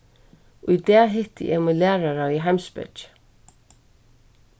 í dag hitti eg mín lærara í heimspeki